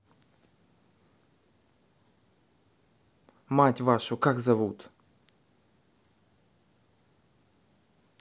мать вашу как зовут